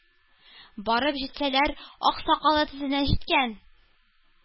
Барып җитсәләр, ак сакалы тезенә җиткән,